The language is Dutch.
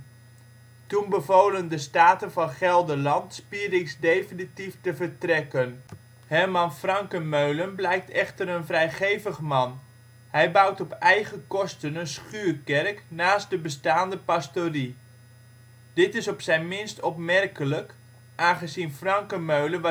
Toen bevolen de Staten van Gelderland Spirinx definitief te vertrekken. Herman Franckenmeulen blijkt echter een vrijgevig man: hij bouwt op eigen kosten een schuurkerk naast de bestaande pastorie. Dit is op zijn minst opmerkelijk, aangezien Franckenmeulen